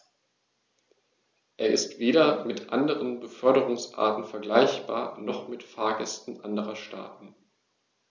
Er ist weder mit anderen Beförderungsarten vergleichbar, noch mit Fahrgästen anderer Staaten.